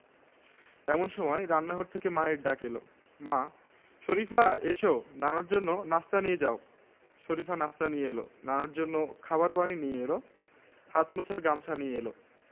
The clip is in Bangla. শুধু কলসিন্দুরে সারা দেশে যেখানে ক্রিকেটের জোয়ার সেখানে ব্যতিক্রম কলসিন্দুর এখানকার মানুষের যাপিত জীবনের কেন্দ্রে শুধুই ফুটবল সানজিদা মারিয়া তহুরারা যেন তাদের স্বপ্নের বাতিঘর বঙ্গমাতা